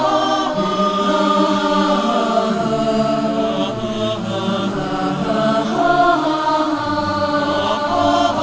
lời ngài là ánh sáng